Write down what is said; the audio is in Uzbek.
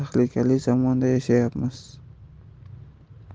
og'ir tahlikali zamonda yashayapmiz